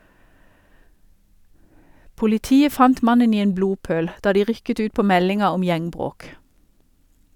Politiet fant mannen i en blodpøl da de rykket ut på meldinga om gjeng-bråk.